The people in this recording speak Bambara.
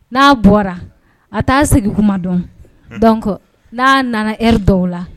N'a bɔra a t'a sigi kuma dɔn, donc n'a nana heure dɔw la